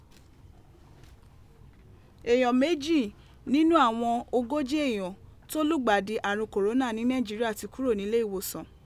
Eeyan meji ninu awọn ogoji eeyan to lugbadi arun kòrónà ni Naijiria ti kuro nile iwosan.